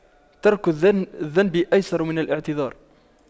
ترك الذنب أيسر من الاعتذار